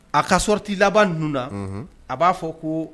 A ka sortie laban ninnu na a b'a fɔ ko